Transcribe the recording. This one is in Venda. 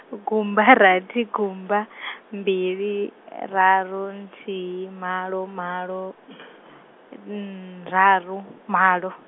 gumba rathi gumba, mbili, raru nthihi malo malo, raru malo.